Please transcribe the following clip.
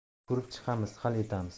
ko'rib chiqamiz hal etamiz